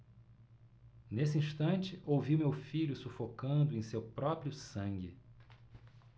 nesse instante ouvi meu filho sufocando em seu próprio sangue